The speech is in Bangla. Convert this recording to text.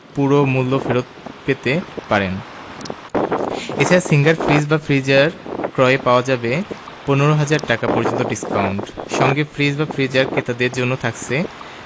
পুরো মূল্য ফেরত পেতে পারেন এ ছাড়া সিঙ্গার ফ্রিজ/ফ্রিজার ক্রয়ে পাওয়া যাবে ১৫ ০০০ টাকা পর্যন্ত ডিসকাউন্ট সঙ্গে ফ্রিজ/ফ্রিজার ক্রেতাদের জন্য থাকছে